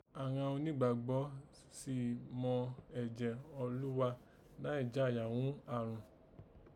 Àghan onígbàgbọ́ sì mọ ẹ̀jẹ̀ Olúgha nàì jáyà ghún àrùn